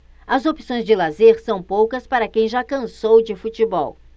as opções de lazer são poucas para quem já cansou de futebol